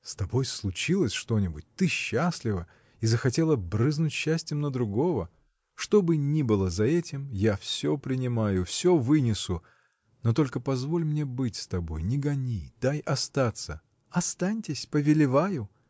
— С тобой случилось что-нибудь, ты счастлива и захотела брызнуть счастьем на другого: что бы ни было за этим, я всё принимаю, всё вынесу — но только позволь мне быть с тобой, не гони, дай остаться. — Останьтесь, повелеваю!